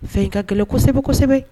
Fɛn in ka kɛlɛ kosɛbɛ kosɛbɛ